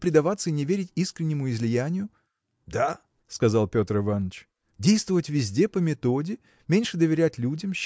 предаваться и не верить искреннему излиянию? – Да, – сказал Петр Иваныч. – Действовать везде по методе меньше доверять людям